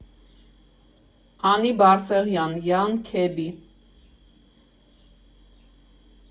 Անի Բարսեղյան Յան Քեբբի։